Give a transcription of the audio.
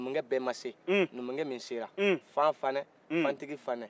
numukɛ bɛ ma se numukɛ min sera fan fanɛ fantigi fanɛ